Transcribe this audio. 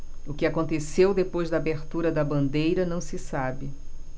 o que aconteceu depois da abertura da bandeira não se sabe